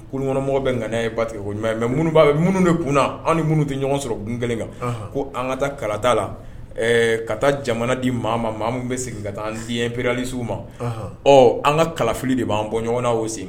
Kununkɔnɔmɔgɔ bɛ ŋɛ ba tigɛ ko mɛ minnuba bɛ minnu de kun an minnu tɛ ɲɔgɔn sɔrɔ gun kelen kan ko an ka taa kalata la ka taa jamana di maa ma min bɛ segin ka taa anyɛnperelisiw ma ɔ an ka kalafili de b'an bɔ ɲɔgɔnna ose